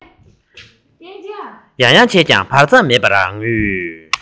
ང གཉིས ཀྱིས ད ཁྱོད མ ངུ